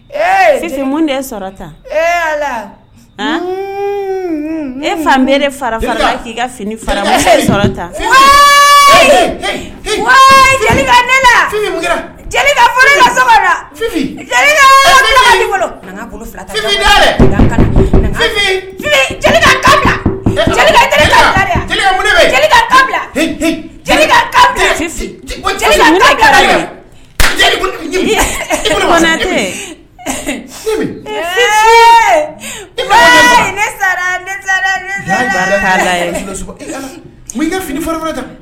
Munta ne fa bɛɛ ne fara k'i ka fini fara sara fini